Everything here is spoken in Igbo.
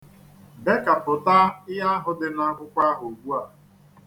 Bekapụta ihe ahụ dị n'akwụkwọ ahụ ugbua!